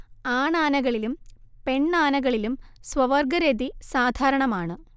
ആണാനകളിലും പെണ്ണാനകളിലും സ്വവർഗ്ഗരതി സാധാരണമാണ്